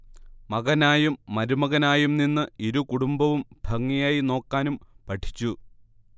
മകനായും മരുമകനായും നിന്ന് ഇരു കുടുംബവും ഭംഗിയായി നോക്കാനും പഠിച്ചു